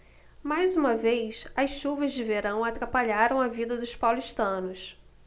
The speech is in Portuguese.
mais uma vez as chuvas de verão atrapalharam a vida dos paulistanos